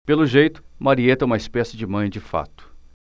pelo jeito marieta é uma espécie de mãe de fato